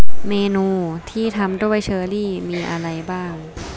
เมนูที่ทำด้วยเชอร์รี่มีอะไรบ้าง